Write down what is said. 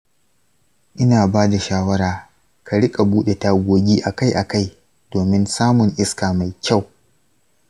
ina ba da shawara ka riƙa buɗe tagogi akai-akai domin samun iska mai kyau.